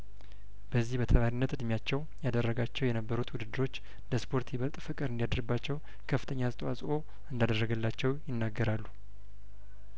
በዚህ በተማሪነት እድሜያቸው ያደረጋቸው የነበሩ ውድድሮች ለስፖርት ይበልጥ ፍቅር እንዲያድርባቸው ከፍተኛ አስተዋጽኦ እንዳደረገላቸው ይናገራሉ